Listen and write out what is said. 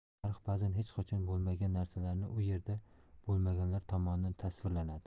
tarix ba'zan hech qachon bo'lmagan narsalarni u erda bo'lmaganlar tomonidan tasvirlanadi